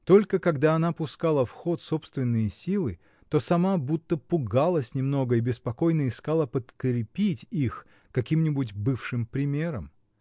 Только когда она пускала в ход собственные силы, то сама будто пугалась немного и беспокойно искала подкрепить их каким-нибудь бывшим примером.